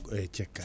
eyyi cekka